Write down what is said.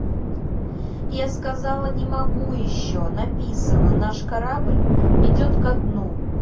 я сказала не могу еще написано наш корабль идет ко дну